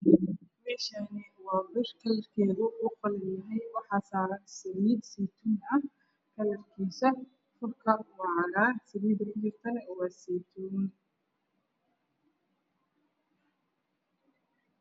Meshaani waa bir kalarkeedu uu qalin yahaywaxaa saran salid saytuun ah kalarkiisa salida furka waa cagaar salida ku jirtana waa seytuun